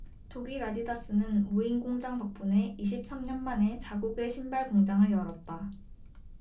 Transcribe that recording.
독일 아디다스는 무인공장 덕분에 이십 삼 년 만에 자국에 신발공장을 열었다